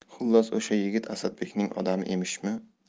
xullas o'sha yigit asadbekning odami emishmi